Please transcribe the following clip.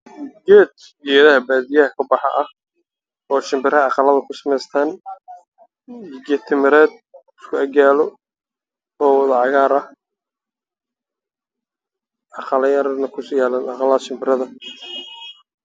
Waxaa ii muuqday geed iftiimayo ruraxaan